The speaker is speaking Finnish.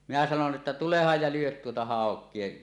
minä sanoin että tulehan ja lyö tuota haukea